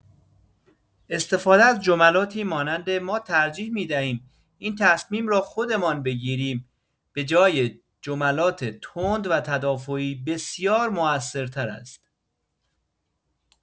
استفاده از جملاتی مانند «ما ترجیح می‌دهیم این تصمیم را خودمان بگیریم» به‌جای جملات تند و تدافعی، بسیار مؤثرتر است.